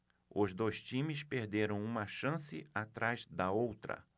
os dois times perderam uma chance atrás da outra